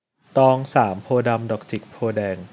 ตองสามโพธิ์ดำดอกจิกโพธิ์แดง